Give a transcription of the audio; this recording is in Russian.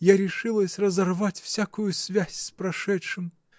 я решилась разорвать всякую связь с прошедшим.